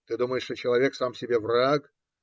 Ты думаешь, что человек сам себе враг?